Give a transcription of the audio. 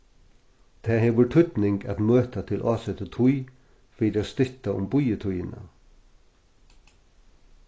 tað hevur týdning at møta til ásettu tíð fyri at stytta um bíðitíðina